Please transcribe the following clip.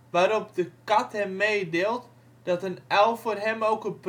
waarop de kat hem meedeelt dat een uil voor hem ook een